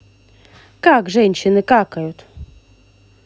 как женщины какают